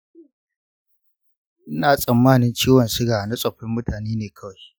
ina tsammanin ciwon suga na tsofaffin mutane ne kawai.